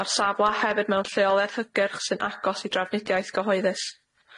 Ma'r safle hefyd mewn lleoliad hygyrch sy'n agos i drafnidiaeth gyhoeddus.